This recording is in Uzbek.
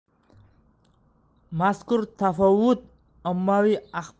mazkur tafovut ommaviy axborot